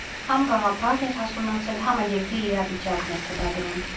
Համ գաղափարն էր հասունացել, համ էլ երկրի իրավիճակն էր թելադրում։